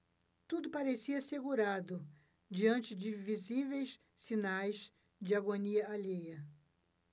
tudo parecia assegurado diante de visíveis sinais de agonia alheia